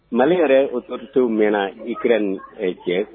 Mali yɛrɛ otobitew mɛn ikra ni jɛ